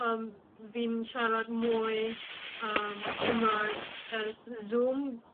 yym fi'n siarad mwy yym Cymraeg ers Zoom